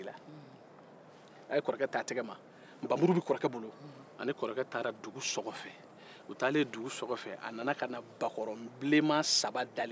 a ye kɔrɔkɛ t'a tɛgɛ ma nbamuru bɛ kɔrɔkɛ bolo ani kɔrɔkɛ taara dugu so kɔfɛ u taalen dugu so kɔfɛ a nana ka na bakɔrɔnbilenma saba dalen jira kɔrɔkɛ la